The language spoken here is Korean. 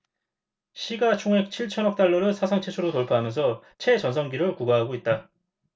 시가 총액 칠 천억 달러를 사상 최초로 돌파하면서 최전성기를 구가하고 있다